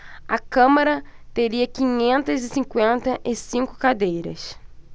a câmara teria quinhentas e cinquenta e cinco cadeiras